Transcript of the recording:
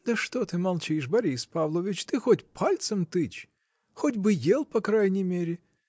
— Да что ты молчишь, Борис Павлович: ты хоть пальцем тычь! Хоть бы ел по крайней мере!